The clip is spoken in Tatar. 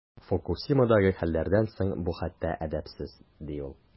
Фукусимадагы хәлләрдән соң бу хәтта әдәпсез, ди ул.